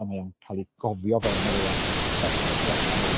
Ond mae o'n cael ei gofio fewn yr AI yn hytrach na tu allan iddo.